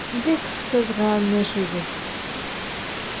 Бик кызганыч үзе!